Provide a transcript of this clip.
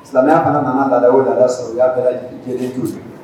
Silamɛya kana nana da o la sɔrɔya kɛra kelen tu sigi